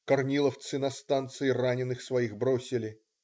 Корниловцы на станции раненых своих бросили.